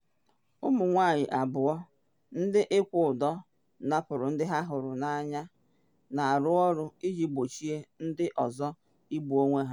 Ụmụ nwanyị abụọ ndị ịkwụ ụdọ napụrụ ndị ha hụrụ n’anya na arụ ọrụ iji gbochie ndị ọzọ n’igbu onwe ha.